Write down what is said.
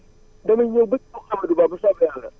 damay ñëw ba ci Amady Ba bu soobee yàlla